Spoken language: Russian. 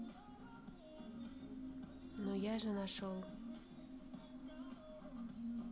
ну я же нашел